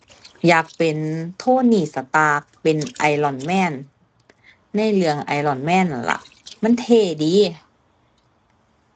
อยากเป็น Tony Stark เป็น Iron Man ในเรื่อง Iron Man นั่นล่ะมันเท่ดี